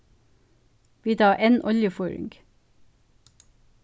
vit hava enn oljufýring